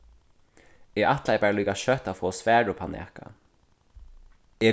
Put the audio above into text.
eg ætlaði bara líka skjótt at fáa svar upp á nakað